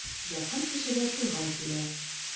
Якын кешегә туйга килә.